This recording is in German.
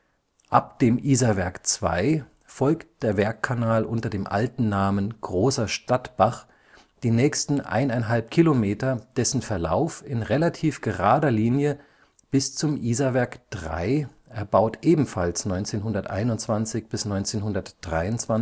Ab dem Isarwerk II folgt der Werkkanal unter dem alten Namen Großer Stadtbach die nächsten eineinhalb Kilometer dessen Verlauf in relativ gerader Linie bis zum Isarwerk III (erbaut ebenfalls 1921 bis 1923